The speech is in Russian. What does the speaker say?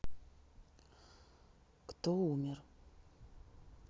кто умер